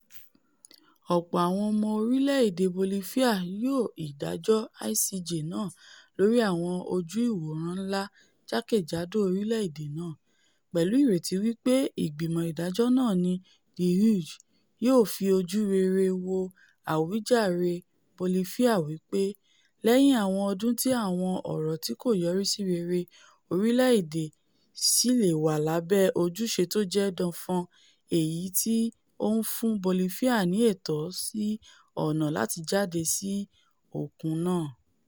Ọ̀pọ̀ àwọn ọmọ orílẹ̀-èdè Bolifia yóô ìdájọ́ ICJ náà lórí àwọn ojú-ìwòran ńlá jáke-jádò orílẹ̀-èdè náà, pẹ̀lú ìrètí wí pé ìgbìmọ ìdájọ́ náà ní The Hague yóò fi ojú rere wo àwíjàre Bolifia wí pé - lẹ́yìn àwọn ọdún ti àwọn ọ̀rọ̀ tí kò yọrísí rere - orílẹ̀-èdè Ṣílè wà lábẹ́ ojúṣe tójẹ́ danfan èyití ó ńfún Bolifia ní ẹ̀tọ́ sí ọ̀nà láti jade sí òkun náà.